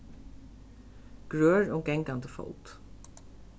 grør um gangandi fót